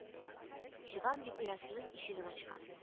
Чыгам дип, оясының ишеген ачкан